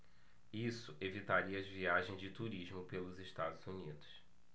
isso evitaria as viagens de turismo pelos estados unidos